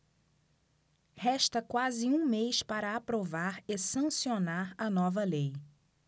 resta quase um mês para aprovar e sancionar a nova lei